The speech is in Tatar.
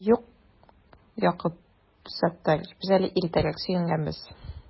Юк, Якуб Саттарич, без әле иртәрәк сөенгәнбез